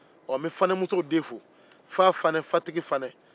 ɔ fanemusow den fo fa fane fatigi fane